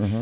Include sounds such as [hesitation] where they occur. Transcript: [hesitation] [hesitation]